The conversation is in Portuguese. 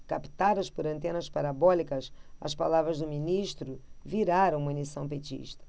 captadas por antenas parabólicas as palavras do ministro viraram munição petista